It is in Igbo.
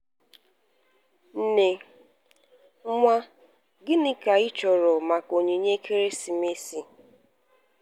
Nne: Nwa, gịnị ka ị chọrọ maka onyinye ekeresimesi?